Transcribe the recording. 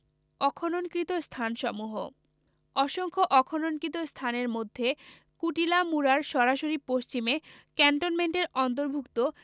অখননকৃত স্থানসমূহ অসংখ্য অখননকৃত স্থানের মধ্যে কুটিলা মুড়ার সরাসরি পশ্চিমে ক্যান্টনমেন্টের অন্তর্ভুক্ত